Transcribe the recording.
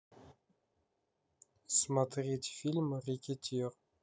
смотреть фильм рекетир